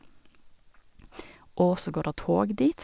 Og så går der tog dit.